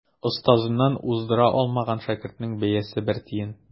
Остазыннан уздыра алмаган шәкертнең бәясе бер тиен.